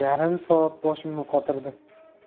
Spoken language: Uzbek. yarim soat boshimni qotirdi